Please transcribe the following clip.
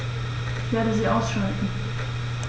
Ich werde sie ausschalten